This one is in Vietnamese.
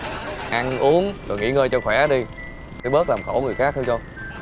ăn uống rồi nghỉ ngơi cho khỏe đi bớt làm khổ người khác nghe không